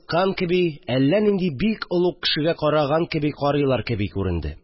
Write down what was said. Кеби, әллә нинди бик олуг кешегә караган кеби карылар кеби күренде